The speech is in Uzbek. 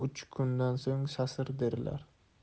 uch kundan so'ng sasir derlar